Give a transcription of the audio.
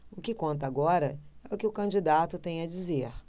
o que conta agora é o que o candidato tem a dizer